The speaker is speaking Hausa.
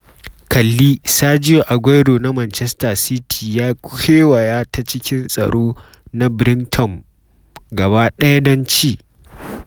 Kalli: Sergio Aguero na Manchester City ya kewaya ta cikin tsaro na Brighton gaba ɗaya don ci